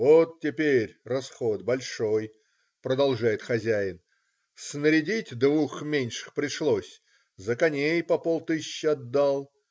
вот теперь расход большой,- продолжает хозяин,- снарядить двух меньших пришлось, за коней по полтысячи отдал.